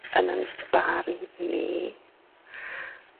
yn 'yn barn ni